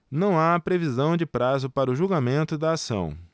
não há previsão de prazo para o julgamento da ação